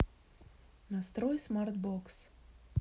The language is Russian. настрой smartbox